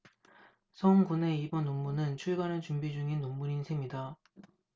송 군의 이번 논문은 출간을 준비 중인 논문인 셈이다